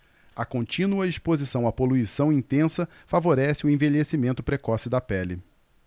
a contínua exposição à poluição intensa favorece o envelhecimento precoce da pele